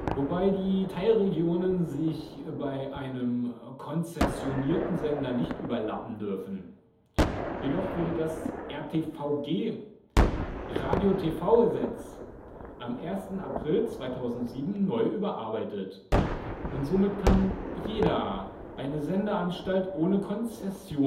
Wobei die Teilregionen sich bei einem konzessionierten Sender nicht überlappen dürfen. Jedoch wurde das RTVG (Radio-TV-Gesetz) am 1. April 2007 neu überarbeitet, und somit kann jeder eine Sendeanstalt ohne Konzession